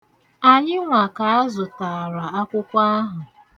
Anyịnwa ka a zụtaara akwụkwọ ahụ.